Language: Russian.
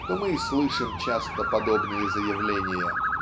то мы и слышим часто подобные заявления